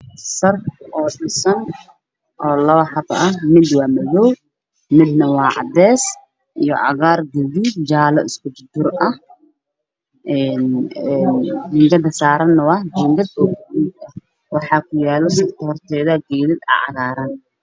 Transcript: Waa guri oo dhagax ah jiingaad buluug ayaa saaran albaab madow ayuu leeyahay darbiyada waa jaalo